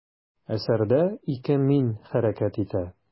Әсәрдә ике «мин» хәрәкәт итә.